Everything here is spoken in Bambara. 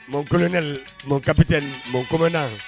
Mɔkolonɛ mɔkapte mɔgɔ kɔnɔnamna